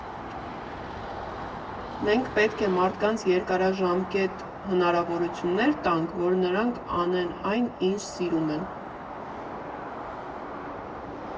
Մենք պետք է մարդկանց երկարաժամկետ հնարավորություններ տանք, որ նրանք անեն այն, ինչ սիրում են։